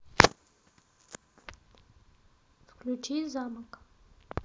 включи замок